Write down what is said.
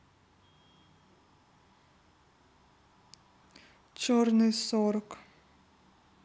черный сорок